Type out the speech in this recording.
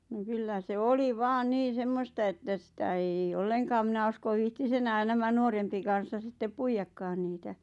no kyllä se oli vain niin semmoista että sitä ei ei ollenkaan minä usko viitsisi enää nämä nuorempi kansa sitten puidakaan niitä